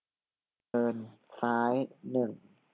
เดินซ้ายหนึ่ง